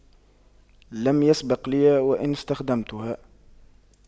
لم يسبق لي وان استخدمتها